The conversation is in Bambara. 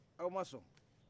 aw ma sɔn